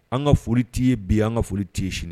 An ka foli' ye bi an ka foli' ye sini